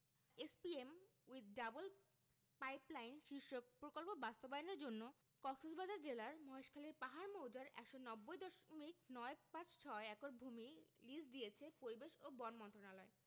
SPM with double pipeline শীর্ষক প্রকল্প বাস্তবায়নের জন্য কক্সবাজার জেলার মহেশখালীর পাহাড় মৌজার ১৯০ দশমিক নয় পাঁচ ছয় একর ভূমি লিজ দিয়েছে পরিবেশ ও বন মন্ত্রণালয়